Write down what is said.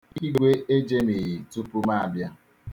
Igwe ejemighị tupu m abịa.